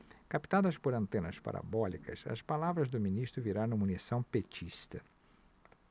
captadas por antenas parabólicas as palavras do ministro viraram munição petista